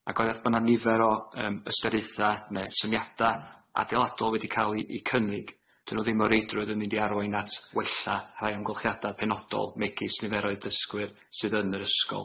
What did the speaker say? Ag er bo' 'na nifer o yym ystyriaetha ne' syniada adeiladol wedi ca'l 'i 'i cynnig, 'dyn nw ddim o reidrwydd yn mynd i arwain at wella rhai amgylchiada penodol megis niferoedd dysgwyr sydd yn yr ysgol.